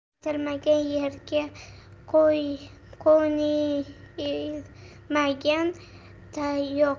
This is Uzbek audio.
aytilmagan yerga yo'nilmagan tayoq